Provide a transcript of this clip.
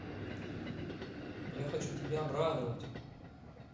я хочу тебя обрадовать